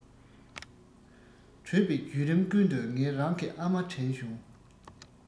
བྲོས པའི བརྒྱུད རིམ ཀུན ཏུ ངས རང གི ཨ མ དྲན བྱུང